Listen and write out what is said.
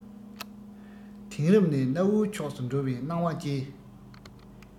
དེང རབས ནས གནའ བོའི ཕྱོགས སུ འགྲོ བའི སྣང བ སྐྱེས